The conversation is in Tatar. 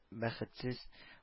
Бәхетсез